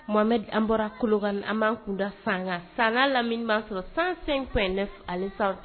Tumame an bɔra kolokan an kunda san sanga lamini'a sɔrɔ san fɛn fɛn ale sanfɛ